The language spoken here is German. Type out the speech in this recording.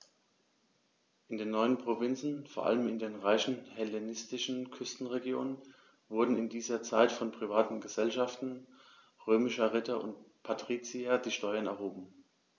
In den neuen Provinzen, vor allem in den reichen hellenistischen Küstenregionen, wurden in dieser Zeit von privaten „Gesellschaften“ römischer Ritter und Patrizier die Steuern erhoben.